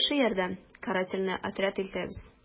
«яхшы ярдәм, карательный отряд илтәбез...»